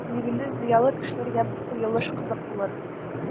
Билгеле, зыялы кешеләргә бу куелыш кызык булыр.